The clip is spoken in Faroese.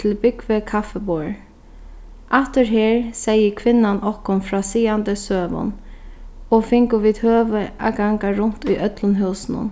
til búgvið kaffiborð aftur her segði kvinnan okkum frá sigandi søgum og fingu vit høvi at ganga runt í øllum húsinum